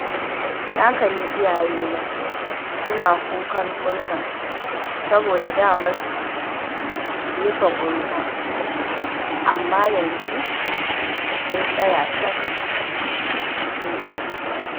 Na kalli iyayena suna kukan murna saboda damar jefa kuri’a amma yanzu mun tsaya cak,” inji shi.